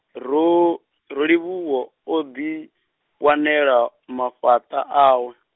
Ro-, Rolivhuwa odi, wanela, mafhaṱa awe.